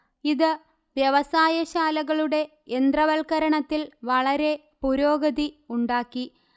ഇത് വ്യവസായശാലകളുടെ യന്ത്രവൽക്കരണത്തിൽ വളരെ പുരോഗതി ഉണ്ടാക്കി